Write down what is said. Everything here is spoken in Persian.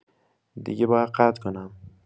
دیگه باید قطع کنم.